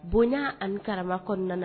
Bonya ani karakara kɔnɔna